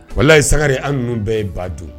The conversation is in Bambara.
Walahi Sangare, an ni ninnu bɛɛ ye ba dun.